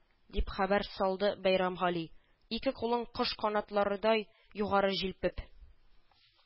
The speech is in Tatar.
Дип, хәбәр салды бәйрәмгали, ике кулын кош канатларыдай югары җилпеп